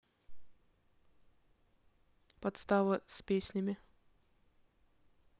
подстава с песнями